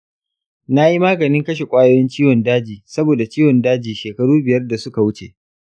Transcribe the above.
na yi maganin kashe ƙwayoyin ciwon daji saboda ciwon daji shekaru biyar da suka wuce.